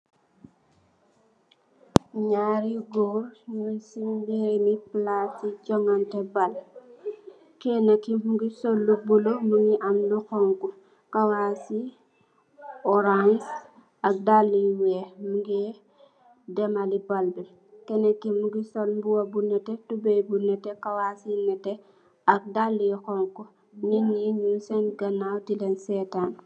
Njaari gorre nung cii mbirim plaasi johnganteh bal, kenah kii mungy sol lu bleu, mungy am lu khonku, kawassi ohrance ak daalue yu wekh, mungeh dehmali bal bii, kenah kii mungy sol mbuba bu nehteh, tubeiyy bu nehteh, kawassi nehteh ak daali yu honhu, nitt njee nung sehn ganaw dilen sehtan.